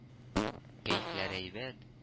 Кәефләре әйбәт